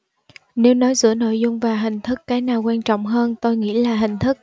nếu nói giữa nội dung và hình thức cái nào quan trọng hơn tôi nghĩ là hình thức